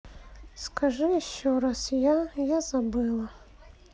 скажи еще раз я я забыла